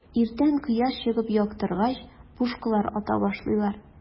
Иртән кояш чыгып яктыргач, пушкалар ата башлыйлар.